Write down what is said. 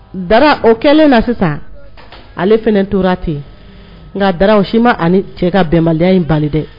Da o kɛlen na sisan ale fana tora ten nka dara o si ma ni cɛ ka bɛnbaliya in bali dɛ